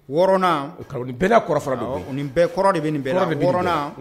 Wɔɔrɔn u bɛɛ ani bɛɛ kɔrɔɔrɔn de bɛ nin bɛɛɔrɔnna